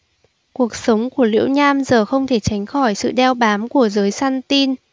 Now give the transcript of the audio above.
cuộc sống của liễu nham giờ không thể tránh khỏi sự đeo bám của giới săn tin